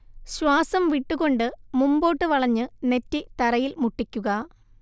ശ്വാസം വിട്ടുകൊണ്ട് മുമ്പോട്ട് വളഞ്ഞ് നെറ്റി തറയിൽ മുട്ടിക്കുക